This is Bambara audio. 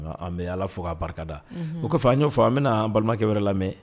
An bɛ Ala fo k'a barikada, unhun, o kɔfɛ an y'o fɔ an bɛna an balimakɛ wɛrɛ lamɛn